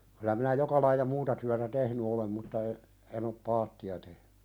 kyllä minä joka lajia muuta työtä tehnyt olen mutta - en ole paattia tehnyt